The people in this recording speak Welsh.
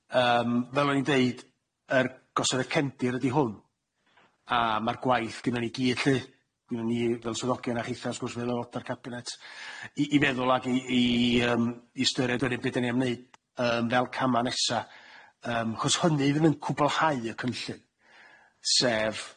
Yym fel o'n i'n deud yr- gosod y cefndir ydi hwn a ma'r gwaith gynno ni gyd 'lly gynno ni fel swyddogion a chitha wrs gwrs fel aelode'r cabinet i- i feddwl ag i- i yym i ystyried yr hyn be dan ni am neud yym fel cama' nesa yym achos hynny fydd yn cwblhau y cynllun sef